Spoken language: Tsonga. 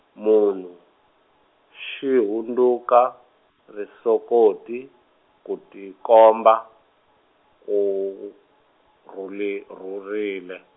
munhu, xi hundzuka, risokoti, ku tikomba, ku, rhuli-, rhurile.